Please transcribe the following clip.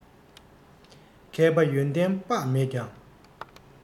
མཁས པ ཡོན ཏན དཔག མེད ཀྱང